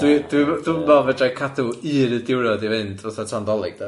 Dwi dwi dwi'm yn meddwl fedrai cadw un y diwrnod i fynd fatha tan Dolig de.